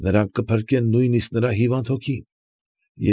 Նրանք կփրկեն նույնիսկ նրա հիվանդ հոգին։